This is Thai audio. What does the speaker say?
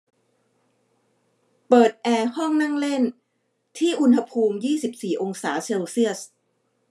เปิดแอร์ห้องนั่งเล่นที่อุณหภูมิยี่สิบสี่องศาเซลเซียส